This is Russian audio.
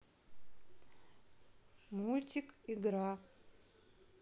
мультик игра